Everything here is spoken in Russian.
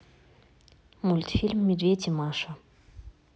мультфильм медведь и маша